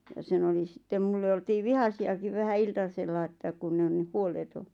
ja sen oli sitten minulle oltiin vihaisiakin vähän iltasella - että kun on niin huoleton